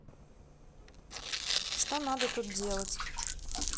что надо тут делать